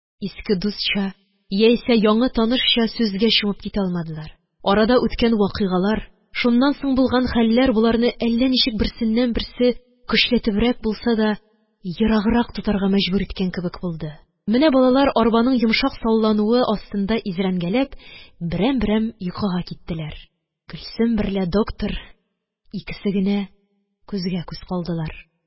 Иске дустча яисә яңы танышча сүзгә чумып китә алмадылар. Арада үткән вакыйгалар, шуннан соң булган хәлләр боларны әллә ничек берсеннән-берсен көчләтебрәк булса да ераграк тотарга мәҗбүр иткән кебек булды. Менә балалар, арбаның йомшак саллануы астында изрәнгәләп, берәм-берәм йокыга киттеләр. Гөлсем берлә доктор икесе генә күзгә-күз калдылар.